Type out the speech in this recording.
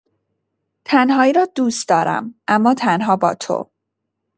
تنهایی رو دوس دارم اما تنها با تو.